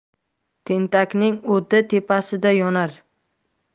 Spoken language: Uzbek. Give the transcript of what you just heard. tentakning o'ti tepasida yonar